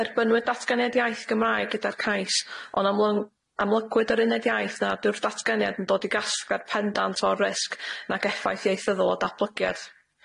Derbynwyd datganiad iaith Gymraeg gyda'r cais on' amlyng- amlygwyd yr uned iaith na dyw'r datganiad yn dod i gasglu'r pendant o risg nag effaith ieithyddol o datblygiad.